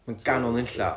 Ma'n ganol nunlla